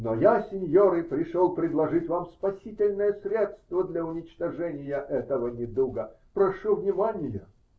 Но я, синьоры, пришел предложить вам спасительное средство для уничтожения этого недуга! Прошу внимания.